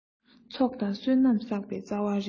ཚོགས དང བསོད ནམས གསོག པའི རྩ བ རེད